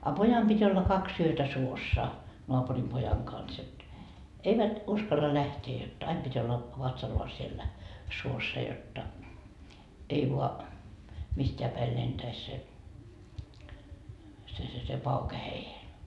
a pojan piti olla kaksi yötä suossa naapurin pojan kanssa että eivät uskalla lähteä jotta aina piti olla vatsallaan siellä suossa jotta ei vain mistään päin lentäisi se se se se pauke heidän